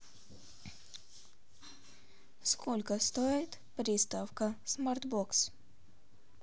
сколько стоит приставка смарт бокс